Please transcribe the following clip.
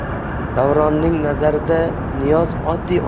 davronning nazarida niyoz oddiy